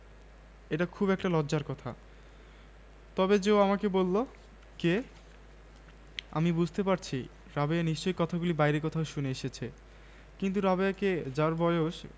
হাওয়া আর সূর্য রাজি হয় তাদের মধ্যে যে পথিকে গায়ের চাদর খোলাতে পারবে তাকেই বেশি শক্তিমান হিসেবে ধার্য করা হবে এরপর উত্তর হাওয়া তার সব শক্তি দিয়ে বইতে শুরু করে কিন্তু সে যতই জোড়ে বয় পথিক তার চাদর